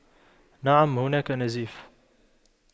نعم هناك نزيف